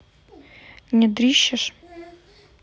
не дрищешь